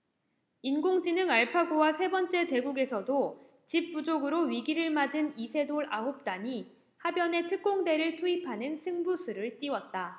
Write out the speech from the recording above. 인공지능 알파고와 세 번째 대국에서도 집 부족으로 위기를 맞은 이세돌 아홉 단이 하변에 특공대를 투입하는 승부수를 띄웠다